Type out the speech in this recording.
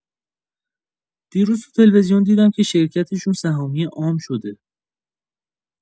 دیروز تو تلویزیون دیدم که شرکتشون سهامی عام شده.